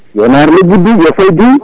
yo e lobbuɗi ɗi yo faayi Doumga